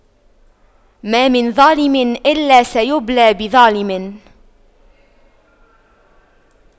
ما من ظالم إلا سيبلى بظالم